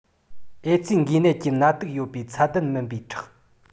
ཨེ ཙི འགོས ནད ཀྱི ནད དུག ཡོད པའི ཚད ལྡན མིན པའི ཁྲག